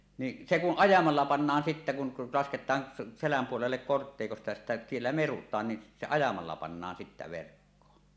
niin se kun ajamalla pannaan sitten kun lasketaan selän puolelle kortteikosta ja sitten siellä merutaan niin se ajamalla pannaan sitten verkkoon